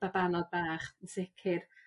babanod bach yn sicir.